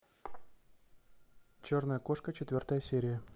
черная кошка четвертая серия